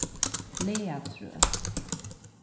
lagatrøð